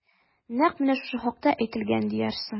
Нәкъ менә шушы хакта әйтелгән диярсең...